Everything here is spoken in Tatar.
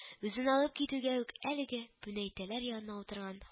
Үзен алып китүгә үк әлегә пүнәтәйләр янында утырган